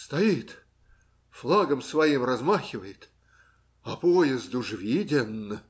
Стоит, флагом своим размахивает, а поезд уж виден.